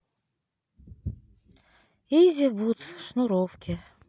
изи бутс шнуровки